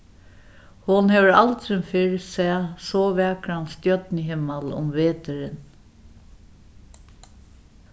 hon hevur aldrin fyrr sæð so vakran stjørnuhimmal um veturin